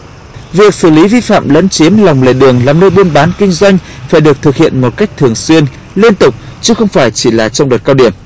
việc xử lý vi phạm lấn chiếm lòng lề đường làm nơi buôn bán kinh doanh phải được thực hiện một cách thường xuyên liên tục chứ không phải chỉ là trong đợt cao điểm